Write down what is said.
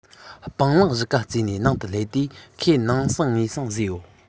སྤང ལགས གཞིས ཁ རྩེ ནས ནང དུ སླེབས དུས ཁོའི ནང ཟང ངེ ཟིང བཟོས ཡོད